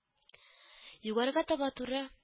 Югарыга таба туры